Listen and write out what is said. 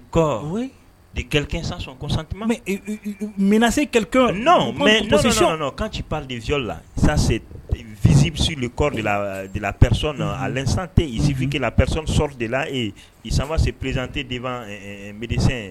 Ɔ dekɛɔn kɔ minɛ se kɛlɛke mɛ kan cipri fi la sase2zsi kɔ de la dela pɛresi a lɛn santezfikela pɛresi sɔ de la ee sanba se prezte de midsɛn